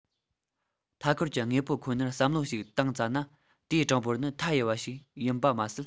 མཐའ འཁོར གྱི དངོས པོ ཁོ ནར བསམ བློ ཞིག བཏང ཙ ན དེའི གྲངས འབོར ནི མཐའ ཡས པ ཞིག ཡིན པ མ ཟད